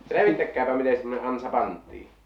selvittäkääpä miten semmoinen ansa pantiin